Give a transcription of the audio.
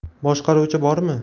boshqaruvchi bormi